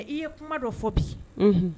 I ye kuma dɔ fɔ bi